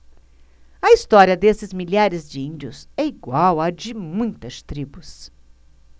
a história desses milhares de índios é igual à de muitas tribos